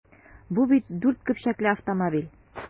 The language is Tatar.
Бу бит дүрт көпчәкле автомобиль!